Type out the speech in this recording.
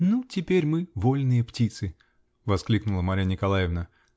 -- Ну, теперь мы -- вольные птицы!-- воскликнула Марья Николаевна.